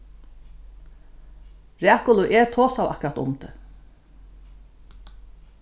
rakul og eg tosaðu akkurát um teg